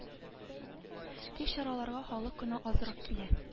Тик чараларга халык кына азрак килә